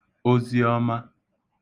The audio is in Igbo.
oziọma